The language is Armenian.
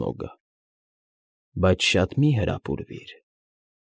Սմոգը։֊ Բայց շատ մի՛ հրապուրվիր։